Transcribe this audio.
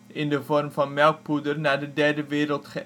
in de vorm van melkpoeder naar de Derde Wereld